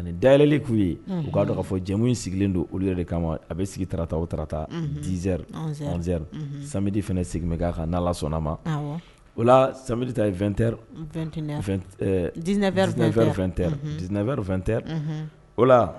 A daylen k'u ye u k'a dɔn kaa fɔ jɛmu in sigilen don olu yɛrɛ de kama ma a bɛ sigi tata o taarata dzɛrizeri sabidi fana sigilen bɛ' kan n' sɔnna ma o la sabirita yeɛtina fɛn o tɛ dinafɛ fɛn tɛ o la